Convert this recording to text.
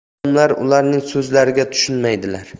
odamlar ularning so'zlariga tushunmaydilar